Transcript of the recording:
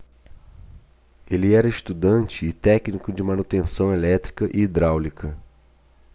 ele era estudante e técnico de manutenção elétrica e hidráulica